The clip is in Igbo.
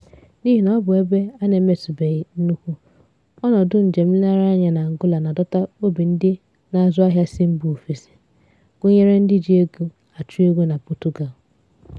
N'ihi ọ bụ ebe a na-emetubeghị nnukwu, ọnọdụ njem nleghari anya na Angola na-adota obi ndị ndị na-azụ ahịa si mba ofesi, gunyere ndị ji ego achị ego na Portugal.